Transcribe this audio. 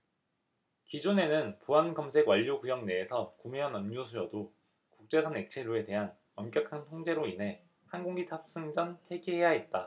기존에는 보안검색 완료구역 내에서 구매한 음료수여도 국제선 액체류에 대한 엄격한 통제로 인해 항공기 탑승 전 폐기해야 했다